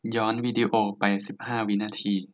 ย้อนวีดีโอไปสิบห้าวินาที